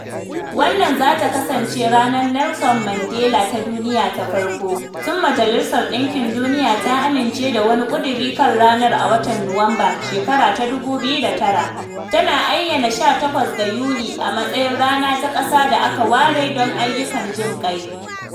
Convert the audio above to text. Wannan zata kasance Ranar Nelson Mandela ta Duniya ta farko, tunda Majalisar Ɗinkin Duniya ta amince da wani ƙuduri kan ranar a watan Nuwamban 2009, tana ayyana 18 ga Yuli a matsayin rana ta ƙasa da aka ware don ayyukan jinƙai.